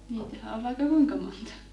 niitähän on vaikka kuinka monta